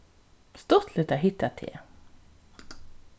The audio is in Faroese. stuttligt at hitta teg